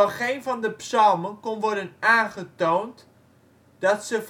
geen van de psalmen kon worden aangetoond dat ze